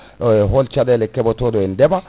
hol caɗele keɓatoɗe e ndeema